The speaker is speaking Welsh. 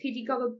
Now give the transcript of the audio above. chi 'di go'fod